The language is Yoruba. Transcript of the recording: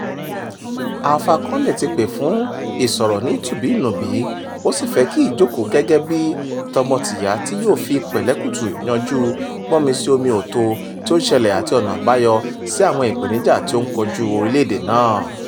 Alpha Condé ti pè fún ìsọ̀rọ̀ ní tùnbíǹnùbí ó sì fẹ́ kí ìjókòó gẹ́gẹ́ bí tọmọtìyá tí yóò fi pẹ̀lẹ́pùtù yanjú gbọ́nmi-síi-omi-ò-tóo tí ó ń ṣẹlẹ̀ àti ọ̀nà àbáyọ sí àwọn ìpèníjà tí ó ń kojú orílẹ̀-èdè náà.